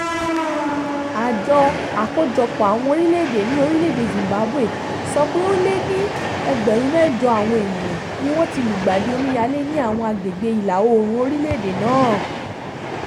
Àjọ Àkójọpọ̀ Àwọn Orílẹ̀-èdè ní orílẹ̀-èdè Zimbabwe sọ pé ó lé ní 8000 àwọn ènìyàn ní wọ́n ti lùgbàdì omíyalé ní àwọn agbègbè ìlà oòrùn orílẹ̀-èdè náà.